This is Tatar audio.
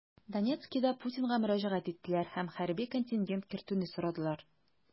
Донецкида Путинга мөрәҗәгать иттеләр һәм хәрби контингент кертүне сорадылар.